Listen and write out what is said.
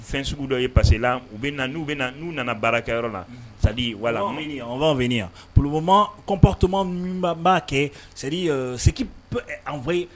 Fɛn sugu dɔ bɛ ye parce que là u bɛ na n'u nana baara kɛ yɔrɔ la c'est à dire voila on va en venir pour le moment comportement min nba kɛ